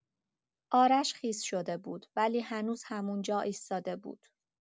آرش خیس شده بود، ولی هنوز همون‌جا ایستاده بود.